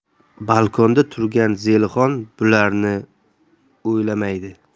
balkonda turgan zelixon bularni o'ylamaydi